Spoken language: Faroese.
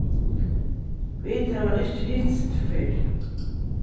vit hava ikki hitst fyrr